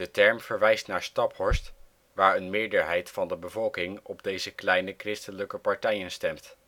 term verwijst naar Staphorst, waar een meerderheid van de bevolking op deze kleine christelijke partijen stemt